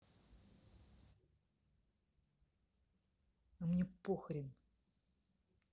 а мне похрен